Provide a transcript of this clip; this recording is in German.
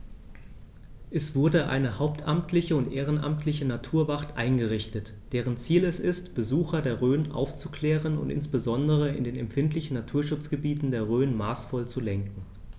Es wurde eine hauptamtliche und ehrenamtliche Naturwacht eingerichtet, deren Ziel es ist, Besucher der Rhön aufzuklären und insbesondere in den empfindlichen Naturschutzgebieten der Rhön maßvoll zu lenken.